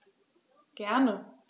Gerne.